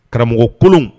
Karamɔgɔ kolo